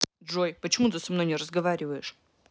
джой почему ты со мной не разговариваешь